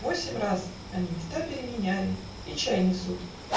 восемь раз Они места переменяли И чай несут.